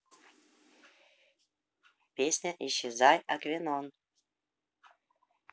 песня исчезай aquaneon